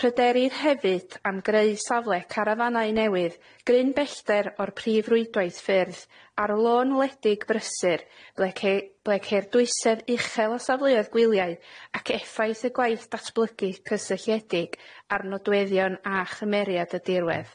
Pryderir hefyd am greu safle carafanau newydd, gryn bellter o'r prif rwydwaith ffyrdd, ar lôn wledig brysur, ble ce- ble ceir dwysedd uchel o safleoedd gwyliau, ac effaith y gwaith datblygu cysylltiedig ar nodweddion a chymeriad y dirwedd.